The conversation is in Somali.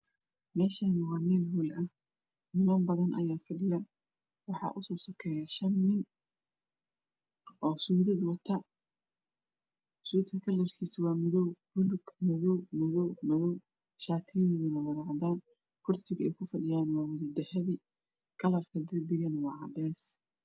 Meeshan waa meel hool ah niman badan aya fa dhiyo waxaa usoo sokeeyo shan nin oo suudad wato suudka kalrkiisa waa madow bulug madood madoow shatigana wada cadaan kurisaga ay ku fadhiyaana wa wada dahabi kalarka darbigana waa cadees